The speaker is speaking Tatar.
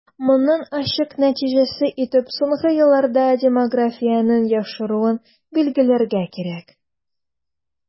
Моның ачык нәтиҗәсе итеп соңгы елларда демографиянең яхшыруын билгеләргә кирәк.